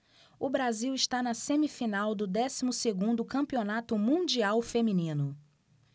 o brasil está na semifinal do décimo segundo campeonato mundial feminino